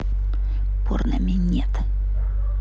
порно минет